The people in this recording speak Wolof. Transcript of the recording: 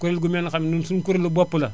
kuréel gu mel ni xam ne ñun suñu kuréelu bopp la